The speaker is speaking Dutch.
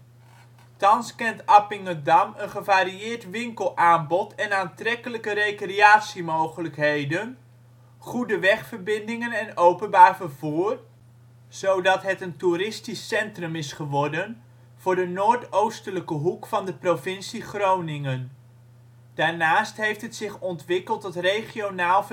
Thans kent Appingedam een gevarieerd winkelaanbod en aantrekkelijke recreatiemogelijkheden, goede wegverbindingen en openbaar vervoer, zodat het een toeristisch centrum is geworden voor de noord-oostelijke hoek van de provincie Groningen. Daarnaast heeft het zich ontwikkeld tot regionaal